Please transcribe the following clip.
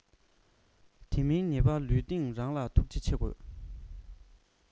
དེ མིན ཉེས པ ལུས སྟེང རང ལ ཐུགས རྗེ ཆེ དགོས